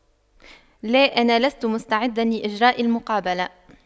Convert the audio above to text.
لا انا لست مستعدا لإجراء المقابلة